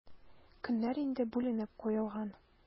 Көннәр инде бүленеп куелган.